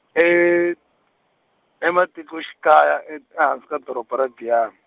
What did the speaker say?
e, ematiko xikaya et- ,, ka doroba ra Giyani.